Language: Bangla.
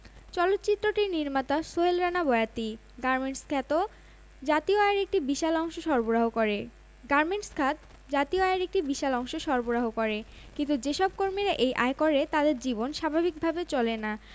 চাওয়া আর প্রত্যাশাকে পালন করেছেন নিষ্ঠার সঙ্গে মান্টোর স্ত্রী সাফিয়া চরিত্রে রসিকা দুগাল অভিনেতা শ্যাম চাড্ডার চরিত্রে তাহির ভাসিন ও সাহিত্যিক ইসমত